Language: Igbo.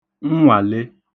nnwàle